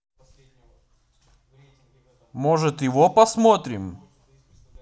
может его посмотрим